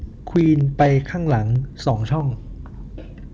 ควีนไปข้างหลังสองช่อง